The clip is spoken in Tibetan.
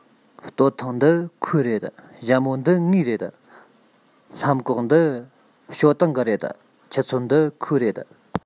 སྟོད ཐུང འདི ཁོའི རེད ཞྭ མོ འདི ངའི རེད ལྷམ གོག འདི ཞའོ ཏིང གི རེད ཆུ ཚོད འདི ཁོའི རེད